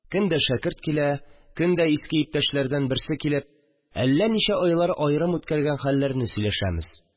Көн дә шәкерт килә, көн дә иске иптәшләрдән берсе килеп, әллә ничә айлар аерым үткәргән хәлләрне сөйләшәмез